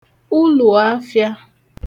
ulùòafịa